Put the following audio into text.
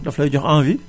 daf lay jox envie